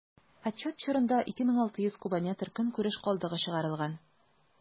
Отчет чорында 2600 кубометр көнкүреш калдыгы чыгарылган.